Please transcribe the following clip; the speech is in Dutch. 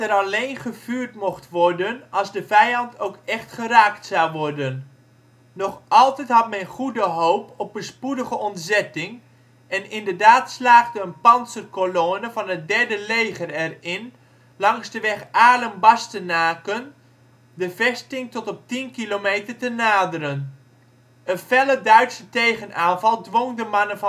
alleen gevuurd mocht worden als de vijand ook echt geraakt zou worden. Nog altijd had men goede hoop op een spoedige ontzetting en inderdaad slaagde een pantsercolonne van het 3e leger erin langs de weg Aarlen-Bastenaken de vesting tot op tien kilometer te naderen. Een felle Duitse tegenaanval dwong de mannen van